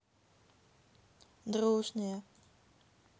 дружные